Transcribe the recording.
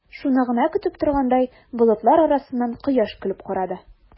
Шуны гына көтеп торгандай, болытлар арасыннан кояш көлеп карады.